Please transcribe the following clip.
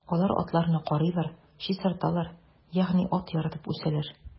Алар атларны карыйлар, чистарталар, ягъни ат яратып үсәләр.